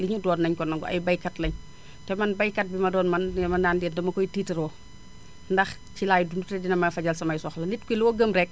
li énu doon naénu ko nangu ay baykat lañu te man baykat bi ma doon man neema naam déet dama koy tiitaroo ndax ci laay dund te dinamay fajal samay soxla nit ki loo gëm rek